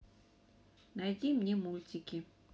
найди мне мультики